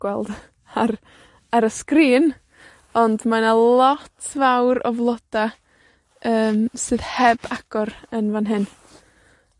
gweld ar, ar y sgrin, ond mae 'na lot fawr o floda, yym, sydd heb agor yn fan hyn.